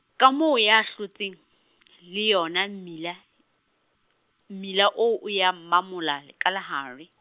ka moo ya hlotseng , le yona mmila, mmila oo oa mamola ka lehare.